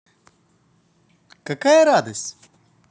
какая радость